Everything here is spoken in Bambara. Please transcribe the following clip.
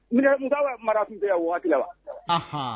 Musa Mara tun tɛ yan o wagati la wa , anhan